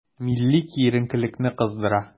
Милли киеренкелекне кыздыра.